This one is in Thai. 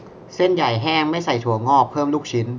เส้นใหญ่แห้งไม่ใส่ถั่วงอกเพิ่มลูกชิ้น